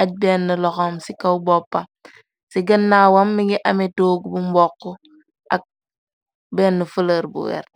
aj benn loxam ci kaw boppam ci gennaawam mi ngi ame toog bu mbokq ak benn fëlër bu wert.